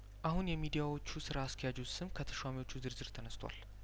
አሁን የሚዲያዎቹ ስራ አስኪያጆች ስም ከተሿሚዎች ዝርዝር ተነስቷል